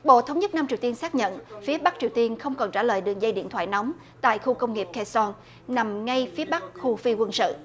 bộ thống nhất nam triều tiên xác nhận phía bắc triều tiên không cần trả lời đường dây điện thoại nóng tại khu công nghiệp kê xong nằm ngay phía bắc khu phi quân sự